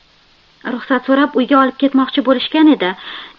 ruxsat so'rab uyga olib ketmoqchi bo'lishgan edi